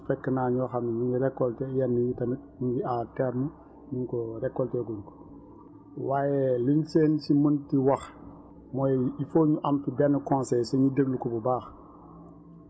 fekk naa ñoo xam ne ni récolté yenn yi tamit ñu ngi à terme ñu ngi ko rekoltee gu ñu ko waaye liñ seen suñ mënti wax mooy il faut ñu am benn conseiller si ñu déglu ko bu baax